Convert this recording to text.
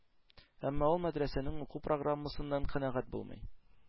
Әмма ул мәдрәсәнең уку программасыннан канәгать булмый,